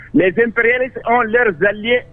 Las impérialismes ont leur ailier